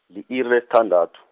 li-iri lesithandathu.